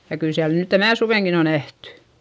ja kyllä siellä nyt tänä suvenakin on nähty